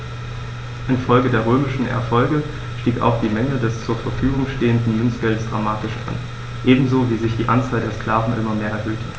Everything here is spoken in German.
Infolge der römischen Erfolge stieg auch die Menge des zur Verfügung stehenden Münzgeldes dramatisch an, ebenso wie sich die Anzahl der Sklaven immer mehr erhöhte.